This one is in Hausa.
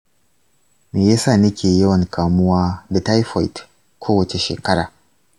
me yasa nake yawan kamuwa da taifoid kowace shekara?